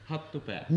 hattu päähän